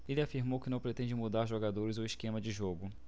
ele afirmou que não pretende mudar jogadores ou esquema de jogo